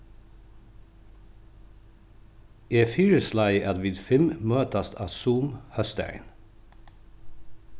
eg fyrislái at vit fimm møtast á zoom hósdagin